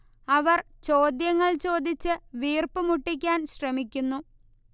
അവർ ചോദ്യങ്ങൾ ചോദിച്ച് വീര്പ്പ് മുട്ടിക്കാൻ ശ്രമിക്കുന്നു